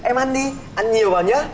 em ăn đi ăn nhiều vào nhớ